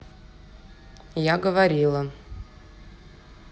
я говорила